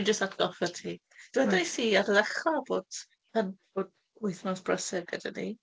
Dwi jyst atgoffa ti. Dwedais i ar y ddechrau bod, yym, bod wythnos brysur gyda ni.